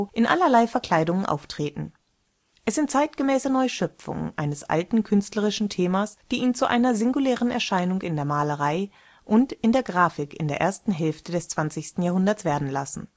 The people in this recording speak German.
in allerlei Verkleidungen auftreten. Es sind zeitgemäße Neuschöpfungen eines alten künstlerischen Themas, die ihn zu einer singulären Erscheinung in der Malerei und in der Grafik in der ersten Hälfte des 20. Jahrhunderts werden lassen